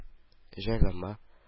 Җайланма